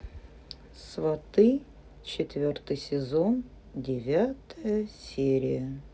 сваты четвертый сезон девятая серия